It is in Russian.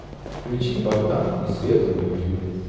включи богдан и света на ютубе